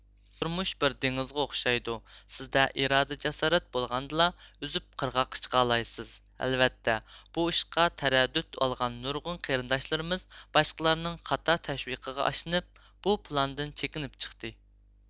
تۇرمۇش بىر دېڭىزغا ئوخشايدۇ سىزدە ئىرادە جاسارەت بولغاندىلا ئۇزۇپ قىرغاققا چىقالايسىز ئەلۋەتتە بۇ ئىشقا تەرەددۈت ئالغان نۇرغۇن قېرىنداشلىرىمىز باشقىلارنىڭ خاتا تەشۋىقىغا ئىشىنىپ بۇ پىلاندىن چىكىنىپ چىقتى